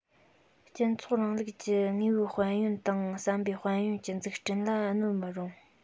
སྤྱི ཚོགས རིང ལུགས ཀྱི དངོས པོའི དཔལ ཡོན དང བསམ པའི དཔལ ཡོན གྱི འཛུགས སྐྲུན ལ གནོད མི རུང